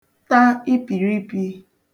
ta ipìripī